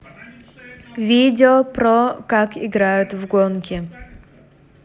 видео про как играют в гонки